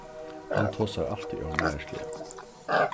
hann tosar altíð ónærisliga